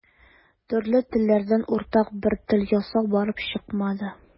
Төрле телләрдән уртак бер тел ясау барып чыкмады.